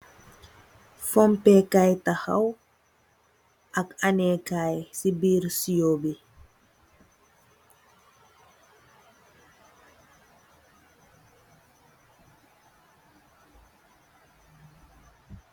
Sampeh kaye tahaw ak ammekaye c birr siwo bii